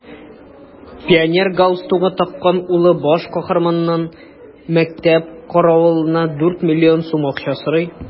Пионер галстугы таккан улы баш каһарманнан мәктәп каравылына дүрт миллион сум акча сорый.